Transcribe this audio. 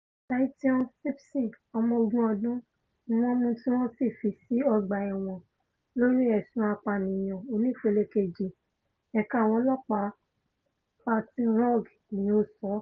Dyteon Simpson, ọmọ ogún ọdún, ní wọ́n mú tí wọ́n sì fi sí ọgbà ẹ̀wọ̀n lórí ẹ̀sùn apànìyan onípele kejì, Ẹ̀ka Àwọn Ọlọ́ọ̀pá Baton Rouge ni o sọ.